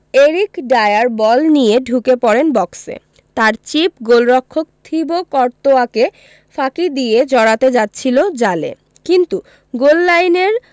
Eric Dier ball নিয়ে ঢুকে পড়েন বক্সে তাঁর চিপ গোলরক্ষক থিবো কর্তোয়াকে ফাঁকি দিয়ে জড়াতে যাচ্ছিল জালে কিন্তু গোললাইনের